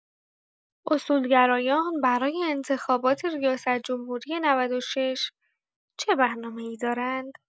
اصولگرایان برای انتخابات ریاست‌جمهوری ۹۶ چه برنامه‌ای دارند؟